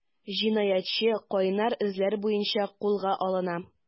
Җинаятьче “кайнар эзләр” буенча кулга алына.